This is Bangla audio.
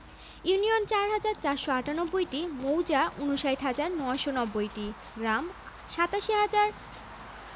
শীতকালে যথাক্রমে ২৯ ডিগ্রি সেলসিয়াস ও ১১ডিগ্রি সেলসিয়াস এবং গ্রীষ্মকালে যথাক্রমে ৩৪ডিগ্রি সেলসিয়াস ও ২১ডিগ্রি সেলসিয়াস